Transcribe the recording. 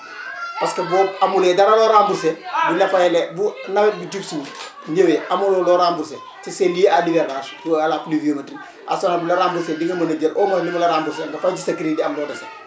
parce que boo amulee dara loo rembourser bu ñu la fayalee bu nawet bi jub si ñëwee amuloo loo rembourser te c' est lié à l' hivernage ou à la pluviométrie instant bi nga rembourser di nga mën a jël au moins lu mën a rembourser nga fay ci sa crédit am loo dese